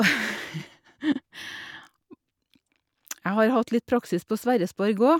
Jeg har hatt litt praksis på Sverresborg óg.